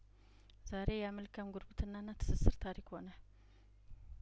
ዛሬ ያመልካም ጉርብትናና ትስስር ታሪክ ሆነ